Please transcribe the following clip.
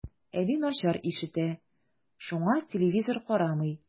Әби начар ишетә, шуңа телевизор карамый.